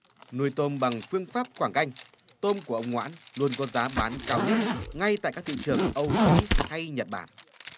nuôi tôm bằng phương pháp quảng canh tôm của ông ngoãn luôn có giá bán cao nhất ngay tại các thị trường âu mỹ hay nhật bản